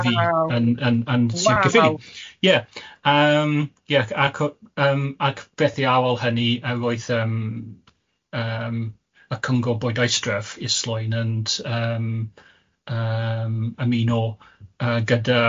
Ie yym ie ac o- yym ac beth ar ôl hynny roedd yym yym y Cyngor bwyd-aistref Islwyn yn yym yym ymuno yy gyda